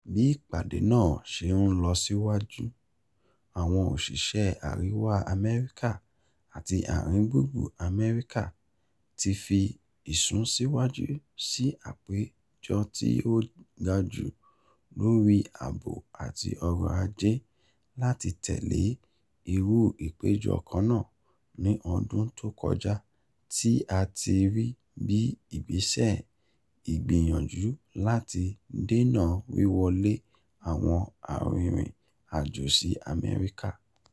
Bí ìpàdé náà ṣe ń lọ síwájú, àwọn òṣìṣẹ̀ Àríwà Amẹ́ríkà àti ààrín-gbùgbù Amẹrika ti fi ìsúnsíwájú sí àpéjọ tí ó gajù lóri ààbò àti ọrọ̀ aje làti tẹ̀lé irú àpéjọ kannáà ní ọdún tó kojá tí a tí rí bíi ìgbésẹ̀ ìgbìyànjú láti dènà wíwọlé àwọn arìnrìn-àjò sí Amẹ́ríkà.